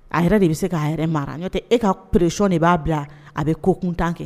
A yɛrɛ de bɛ se ka' yɛrɛ mara n'o tɛ e ka pererec de b'a bila a bɛ ko kuntan kɛ